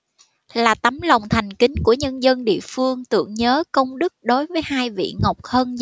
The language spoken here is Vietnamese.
là tấm lòng thành kính của nhân dân địa phương tưởng nhớ công đức đối với hai vị ngọc hân